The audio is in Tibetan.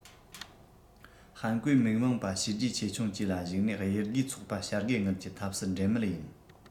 ཧན གོའི མིག མངས པ བྱས རྗེས ཆེ ཆུང བཅས ལ གཞིགས ནས དབྱེ བགོས ཚོགས པ བྱ དགའི དངུལ གྱི ཐབས སུ འགྲན མེད ཡིན